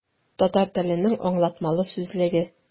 Татар теленең аңлатмалы сүзлеге.